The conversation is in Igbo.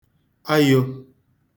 ayō